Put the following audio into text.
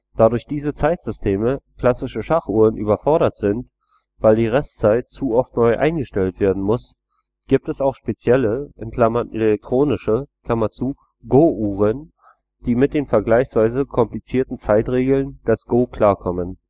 Da durch diese Zeitsysteme klassische Schachuhren überfordert sind, weil die Restzeit zu oft neu eingestellt werden muss, gibt es auch spezielle (elektronische) Go-Uhren, die mit den vergleichsweise komplizierten Zeitregeln des Go klarkommen